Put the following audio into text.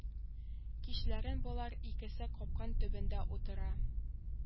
Кичләрен болар икесе капка төбендә утыра